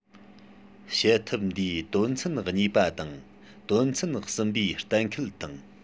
བྱེད ཐབས འདིའི དོན ཚན གཉིས པ དང དོན ཚན གསུམ པའི གཏན འཁེལ དང